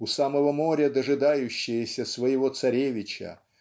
у самого моря дожидающаяся своего царевича